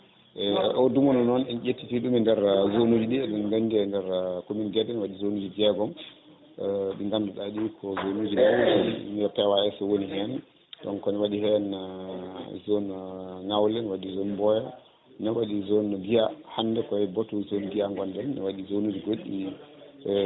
e o dumunna noon en ƴettiti ɗum e nder zone uji ɗi eɗen gandi e nder commune de Guédé ene waɗi zone uji jeegom ɗi ganduɗa ɗi ko zone uji * ɗi ko PAS woni hen donc ne waɗi hen zone Ngawlin ne waɗi zone Yumboya ne zone Guiya hande koye baatu zone Guiya gonɗen ne waɗi zone uji goɗɗi